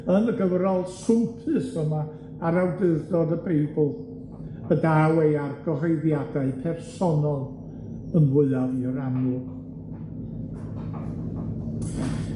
yn y gyfrol swmpus yma ar awdurdod y Beibl y daw ei argyhoeddiadau personol yn fwyaf i'r amlwg.